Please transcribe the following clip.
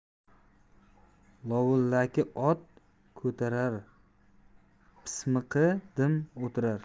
lovullaki ot ko'tarar pismiqi dim o'tirar